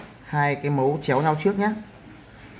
hai cái mấu chéo nhau trước nhé